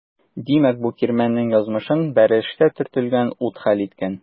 Димәк бу кирмәннең язмышын бәрелештә төртелгән ут хәл иткән.